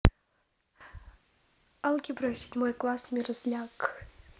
алгебра седьмой класс мерзляк